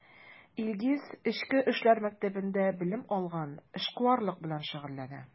Илгиз Эчке эшләр мәктәбендә белем алган, эшкуарлык белән шөгыльләнә.